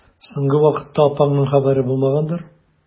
Соңгы вакытта апаңның хәбәре булмагандыр?